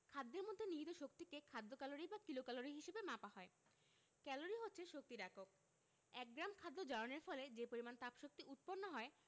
খাদ্যের মধ্যে নিহিত শক্তিকে খাদ্য ক্যালরি বা কিলোক্যালরি হিসেবে মাপা হয় ক্যালরি হচ্ছে শক্তির একক এক গ্রাম খাদ্য জারণের ফলে যে পরিমাণ তাপশক্তি উৎপন্ন হয়